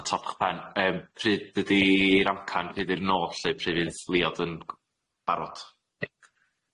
Ia. O top y'ch pen. yym pryd ydi ydi'r amcan, be di'r nod lly, pryd fydd Leon yn barod?